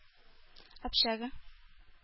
Общага